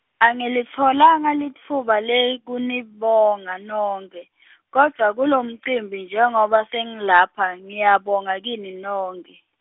Angilitfolanga litfuba lekunibonga, nonkhe , kodwva kulomcimbi njengoba sengilapha, ngiyabonga kini nonkhe.